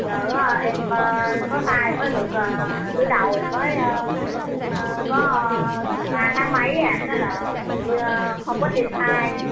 giờ á em có thai mới được đứa đầu thì mới ơ ơ có ba tháng mấy ấy ạ có là bị không có tim thai